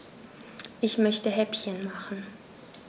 Ich möchte Häppchen machen.